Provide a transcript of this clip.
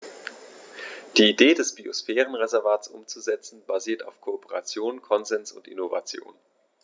Die Idee des Biosphärenreservates umzusetzen, basiert auf Kooperation, Konsens und Innovation.